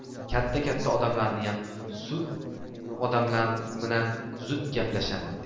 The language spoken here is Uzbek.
katta katta odamlaminam zud gaplashaman